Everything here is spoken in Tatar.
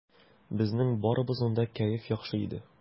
Безнең барыбызның да кәеф яхшы иде.